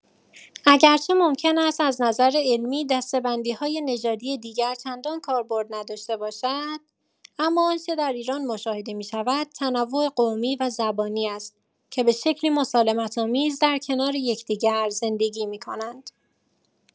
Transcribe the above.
اگرچه ممکن است از نظر علمی دسته‌بندی‌های نژادی دیگر چندان کاربرد نداشته باشد، اما آنچه در ایران مشاهده می‌شود تنوع قومی و زبانی است که به شکلی مسالمت‌آمیز در کنار یکدیگر زندگی می‌کنند.